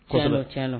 Cɛn cɛn